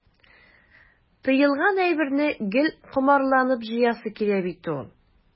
Тыелган әйберне гел комарланып җыясы килә бит ул.